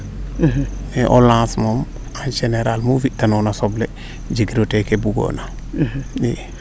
mais o lance moom en general mu fita noona soble jegiro te kee bugoona i